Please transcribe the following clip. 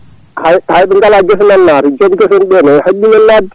hay hay ɓe gala guese nana naata joom guese en ɓeɗo ko haaɗi ɗumen nadde